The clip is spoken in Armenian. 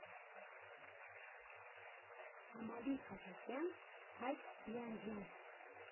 Ամալի Խաչատրյան Հայկ Բիանջյան։